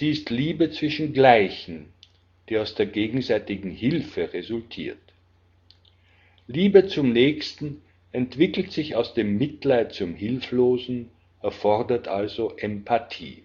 ist Liebe zwischen Gleichen, die aus der gegenseitigen Hilfe resultiert. Liebe zum Nächsten entwickelt sich aus dem Mitleid zum Hilflosen, erfordert also Empathie